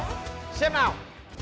xem nào